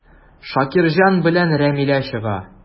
Шакирҗан белән Рамилә чыга.